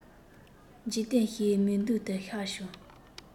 འཇིག རྟེན ཞིག མིག མདུན དུ ཤར བྱུང